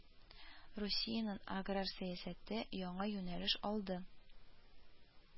Русиянең аграр сәясәте яңа юнәлеш алды